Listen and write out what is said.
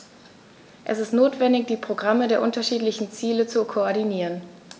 Es ist notwendig, die Programme der unterschiedlichen Ziele zu koordinieren.